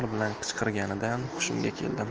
bilan qichqirganidan hushimga keldim